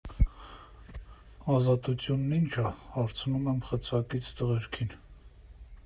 Ազատությունն ի՞նչ ա՝ հարցնում եմ խցակից տղերքին։